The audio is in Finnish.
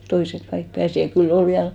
toiset kaikki pääsi ja kyllä oli vielä